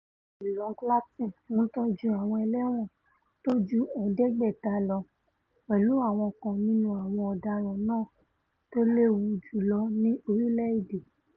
HMP Long Lartin ń tọ́jú àwọn ẹlẹ́wọn tóju ẹ̀ẹ́dẹ̀gbẹ̀ta lọ, pẹ̀lú àwọn kan nínú àwọn ọ̀daràn náà tóléwu jùlọ ní orílẹ̀-èdè.